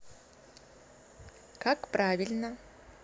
как правильно